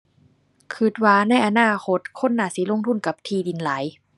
คิดว่าในอนาคต คนน่าสิลงทุนกับที่ดินหลาย